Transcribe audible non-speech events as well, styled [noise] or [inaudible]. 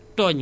[hesitation] [hesitation]